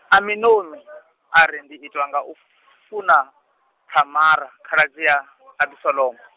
Aminomi , ari ndi itwa nga u funa, Thamara , khaladzi ya, Abisalomo.